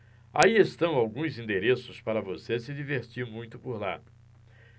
aí estão alguns endereços para você se divertir muito por lá